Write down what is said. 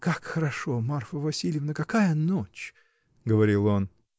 — Как хорошо, Марфа Васильевна, какая ночь! — говорил он.